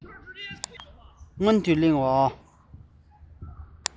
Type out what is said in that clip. སྔོན དུ གླེང བ